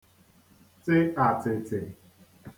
tị àtị̀tị̀